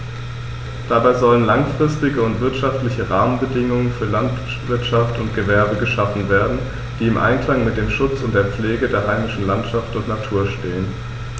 Dabei sollen langfristige und wirtschaftliche Rahmenbedingungen für Landwirtschaft und Gewerbe geschaffen werden, die im Einklang mit dem Schutz und der Pflege der heimischen Landschaft und Natur stehen.